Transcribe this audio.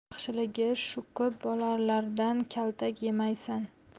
yaxshiligi shuki bolalardan kaltak yemaysan